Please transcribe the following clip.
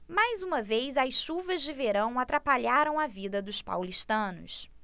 mais uma vez as chuvas de verão atrapalharam a vida dos paulistanos